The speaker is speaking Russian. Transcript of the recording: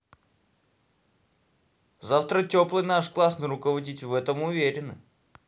завтра теплой наш классный руководитель в этом уверены